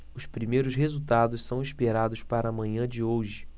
os primeiros resultados são esperados para a manhã de hoje